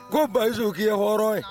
Ko Bayisu k'i ye hɔrɔn ye